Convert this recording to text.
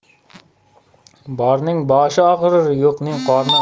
borning boshi og'rir yo'qning qorni